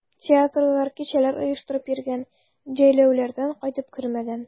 Театрлар, кичәләр оештырып йөргән, җәйләүләрдән кайтып кермәгән.